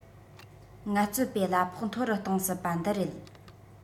ངལ རྩོལ པའི གླ ཕོགས མཐོ རུ གཏོང སྲིད པ འདི རེད